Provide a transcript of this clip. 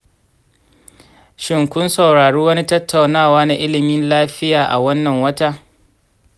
shin kun saurari wani tattaunawa na ilimin lafiya a wannan wata?